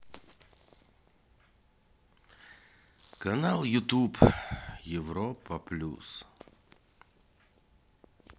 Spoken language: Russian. канал на ютуб европа плюс